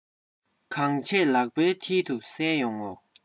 གང བྱས ལག པའི མཐིལ དུ གསལ ཡོང ངོ